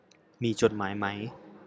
มีจดหมายไหม